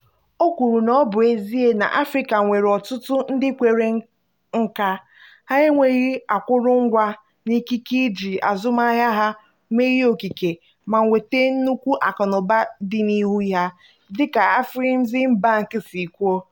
O kwuru na ọ bụ ezie na Afrịka nwere ọtụtụ ndị nwere nkà, ha enweghị akụrụngwa na ikike iji azụmaahịa ha mee ihe okike ma nweta nnukwu akụnụba dị n'ihu ha, dịka Afreximbank si kwuo.